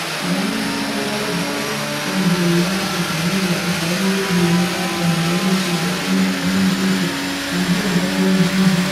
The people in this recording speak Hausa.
Ƙaramin cansala John McDonnell ya yi amfani da taron Labour na makon da ya wuce don nuna abin da yake hange don wani juyin juya hali na aƙidar gurguzu a cikin tattalin arzikin.